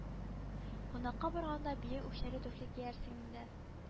Кунакка барганда биек үкчәле туфли киярсең инде